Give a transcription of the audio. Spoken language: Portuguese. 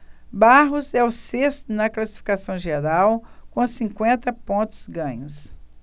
barros é o sexto na classificação geral com cinquenta pontos ganhos